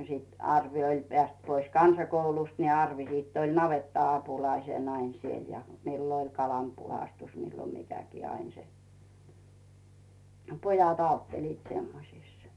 no sitten Arvi oli päässyt pois kansakoulusta niin Arvi sitten oli navetta-apulaisena aina siellä milloin oli kalan puhdistus milloin mikäkin aina se pojat auttelivat semmoisissa